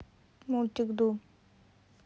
мультик ду